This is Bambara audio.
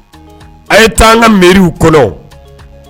A ye taa an ka miiriw kɔnɔ